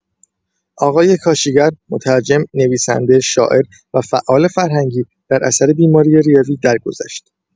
آقای کاشیگر، مترجم، نویسنده، شاعر و فعال فرهنگی در اثر بیماری ریوی درگذشت.